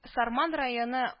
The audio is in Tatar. Сарман районы